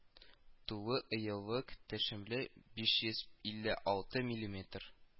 Туллы еллык төшеме биш йөз илле алты миллиметр